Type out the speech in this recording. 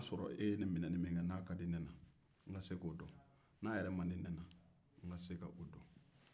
n'a sɔrɔ e ye ne minɛni min kɛ n'a ka di ne na n ka se k'o dɔn n'a yɛrɛ man di ne na n ka se k'o dɔn